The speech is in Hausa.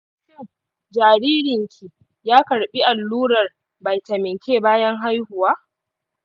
shin jaririn ki ya karɓi allurar vitamin k bayan haihuwa?